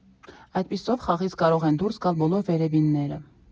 Այդպիսով խաղից կարող են դուրս գալ բոլոր վերևինները.